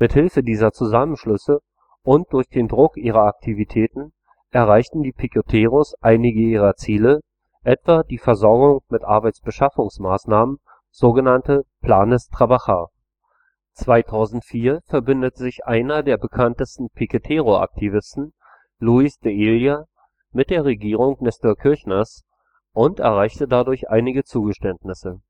Hilfe dieser Zusammenschlüsse und durch den Druck ihrer Aktivitäten erreichten die Piqueteros einige ihrer Ziele, etwa die Versorgung mit Arbeitsbeschaffungsmaßnahmen, sogenannte planes trabajar. 2004 verbündete sich einer der bekanntesten Piquetero-Aktivisten, Luis D'Elia, mit der Regierung Néstor Kirchners und erreichte dadurch einige Zugeständnisse